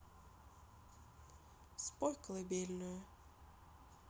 спой колыбельную